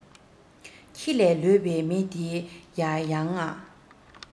ཁྱི ལས ལོད པའི མི དེ ཡ ཡང ང